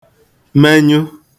menyụ